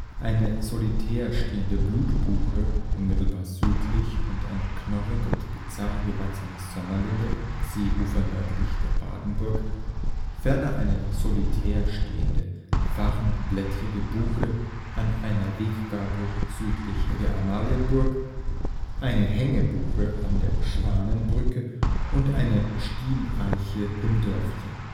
Eine solitär stehende Blutbuche unmittelbar südlich und eine knorrig und bizarr gewachsene Sommerlinde am Seeufer nördlich der Badenburg, ferner eine solitär stehende Farnblättrige Buche an einer Weggabel südlich der Amalienburg, eine Hängebuche an der Schwanenbrücke und eine Stieleiche im Dörfchen. Die